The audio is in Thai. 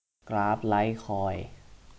กราฟไลท์คอยน์